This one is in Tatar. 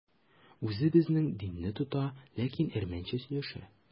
Үзе безнең динне тота, ләкин әрмәнчә сөйләшә.